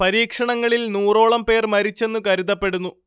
പരീക്ഷണങ്ങളിൽ നൂറോളം പേർ മരിച്ചെന്ന് കരുതപ്പെടുന്നു